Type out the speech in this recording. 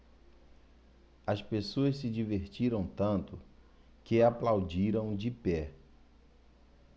as pessoas se divertiram tanto que aplaudiram de pé